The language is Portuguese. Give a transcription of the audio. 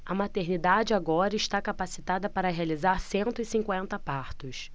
a maternidade agora está capacitada para realizar cento e cinquenta partos